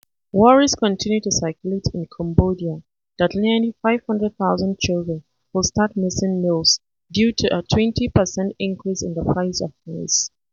Worries continue to circulate in Cambodia that nearly 500,000 children could start missing meals due to a 20% increase in the price of rice.